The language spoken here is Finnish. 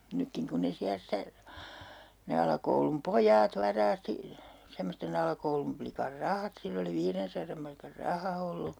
nytkin kun ne siellä sitä ne alakoulun pojat varasti semmoisten alakoulun plikan rahat sillä oli viidensadan markan raha ollut